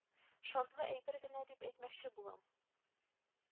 Шартлы әйбер генә дип әйтмәкче булам.